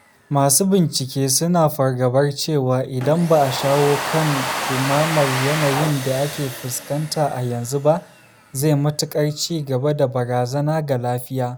Masu bincike suna fargabar cewa, idan ba a shawo kan ɗumamar yanayin da ake fuskata a yanzu ba, zai matuƙar ci gaba da barazana ga lafiya.